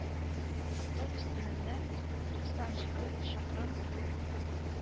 Автобус көненә туксан җиде чакрым юл үтә